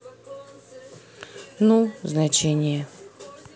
ну значение